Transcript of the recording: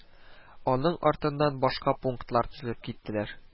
Аның артыннан башка пунктлар тезелеп киттеләр